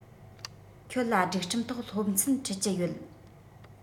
ཁྱོད ལ སྒྲིག ཁྲིམས ཐོག སློབ ཚན ཁྲིད ཀྱི ཡོད